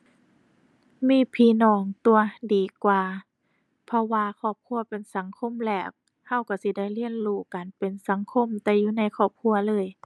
มีพี่น้องตั่วดีกว่า เพราะว่าครอบครัวเป็นสังคมแรก เราเราสิได้เรียนรู้การเป็นสังคมแต่อยู่ในครอบครัวเลย